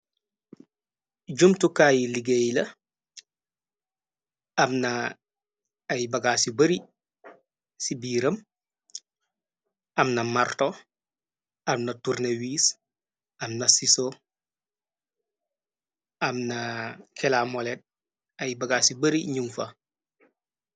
Jumtukkaay liggéey la am na ay bagaa ci bari ci biiram amna marto amna tourne wiis amna ciso am na kelamolet ay bagaa ci bari num fa.